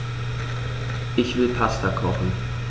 Ich will Pasta kochen.